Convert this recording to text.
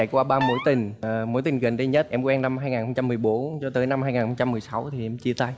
trải qua ba mối tình mối tình gần đây nhất em quen năm hai nghìn không trăm mười bốn giờ tới năm hai nghìn không trăm mười sáu thì em chia tay